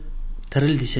tiril desa